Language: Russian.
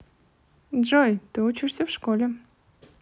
джой ты учишься в школе